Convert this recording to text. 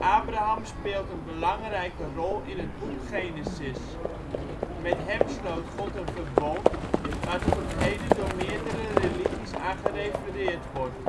Abraham speelt een belangrijke rol in het boek Genesis. Met hem sloot God een verbond waar tot op heden door meerdere religies aan gerefereerd wordt.